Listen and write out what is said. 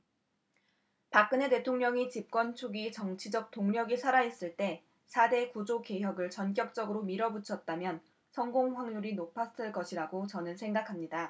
박근혜 대통령이 집권 초기 정치적 동력이 살아 있을 때 사 대 구조 개혁을 전격적으로 밀어붙였다면 성공 확률이 높았을 것이라고 저는 생각합니다